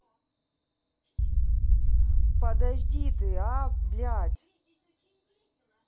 подожди ты а блядь